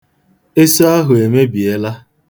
Eso ahụ emebiela.